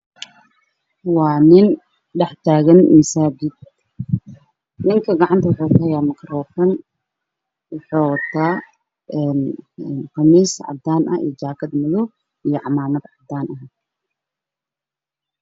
Waa nin dhex taagan masaajid. Ninka gacanta waxuu kuhayaa makaroofan waxuu wataa qamiis cadaan ah iyo jaakad madow ah, cimaamad cadaan ah.